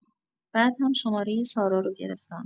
بعد هم شمارۀ سارا رو گرفتم.